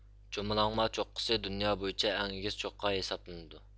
چومۇلاڭما چوققىسى دۇنيا بويىچە ئەڭ ئېگىز چوققا ھېسابلىنىدۇ